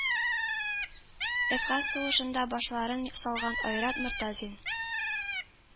Әфган сугышында башларын салган Айрат Мортазин